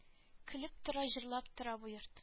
Көлеп тора җырлап тора бу йорт